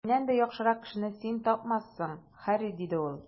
Миннән дә яхшырак кешене син тапмассың, Һарри, - диде ул.